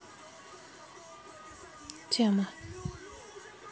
тема